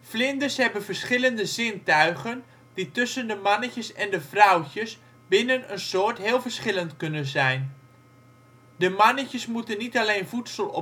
Vlinders hebben verschillende zintuigen die tussen de mannetjes en de vrouwtjes binnen een soort heel verschillend kunnen zijn. De mannetjes moeten niet alleen voedsel